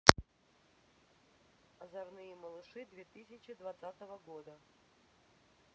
озорные малыши две тысячи двадцатого года